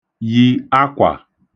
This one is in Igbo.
yì akwà